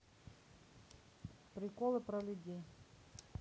приколы про людей